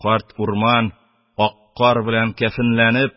Карт урман ак кар белән кәфенләнеп,